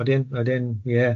Odyn, odyn, ie.